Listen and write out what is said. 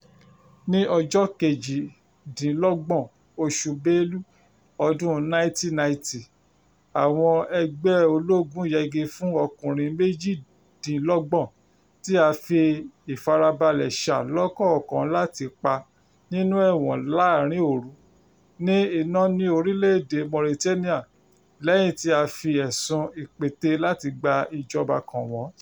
Ní ọjọ́ kejìdínlọ́gbọ̀n oṣù Belu ọdún 1990, àwọn ẹgbẹ́ ológun yẹgi fún ọkùnrin méjìdínlọ́gbọ̀n tí a fi ìfarabalẹ̀ ṣà lọ́kọ̀ọ̀kan láti pa nínú ẹ̀wọ̀n láàárín òru, ní Inal ní orílẹ̀-èdè Mauritania lẹ́yìn tí a fi ẹ̀sùn ìpète-lati-gba-ìjọba kàn wọ́n.